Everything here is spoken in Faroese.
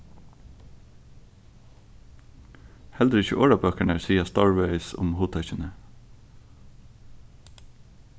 heldur ikki orðabøkurnar siga stórvegis um hugtøkini